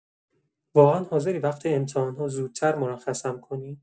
واقعا حاضری وقت امتحان‌ها زودتر مرخصم کنی؟